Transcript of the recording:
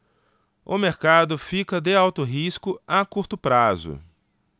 o mercado fica de alto risco a curto prazo